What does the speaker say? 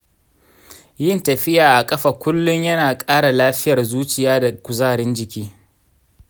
yin tafiya a ƙafa kullun yana ƙara lafiyar zuciya da kuzarin jiki.